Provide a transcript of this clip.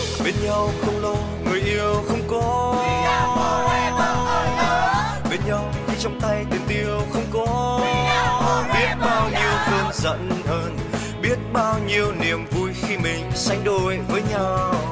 bên nhau không lo người yêu không có bên nhau khi trong tay tiền tiêu không có biết bao nhiêu cơn giận hờn biết bao nhiêu niềm vui khi mình sánh đôi với nhau